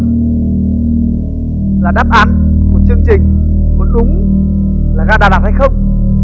là đáp án của chương trình có đúng là ga đà lạt hay không